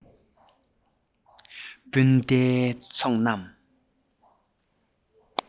སྤུན ཟླའི ཚོགས རྣམས